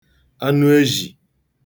anụezhì